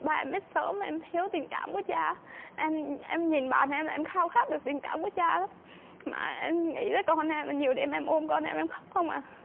ba em mất sớm em thiếu tình cảm của cha em em nhìn bạn em là em khao khát được tình cảm của cha á mà em nghĩ là con em nhiều đêm em ôm con em em khóc không à